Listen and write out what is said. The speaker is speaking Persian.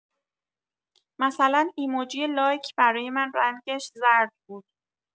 مثلا ایموجی لایک برای من رنگش زرد بود.